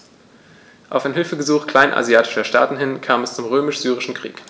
Auf ein Hilfegesuch kleinasiatischer Staaten hin kam es zum Römisch-Syrischen Krieg.